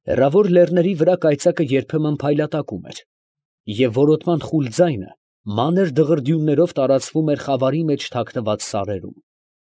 Հեռավոր լեռների վրա կայծակը երբեմն փայլատակում էր, և որոտման խուլ ձայնը մանր դղրդյուններով տարածվում էր խավարի մեջ թաքնված սարերում։